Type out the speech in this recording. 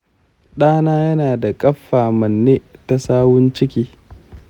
ɗana yana da kaffa manne ta sawun ciki.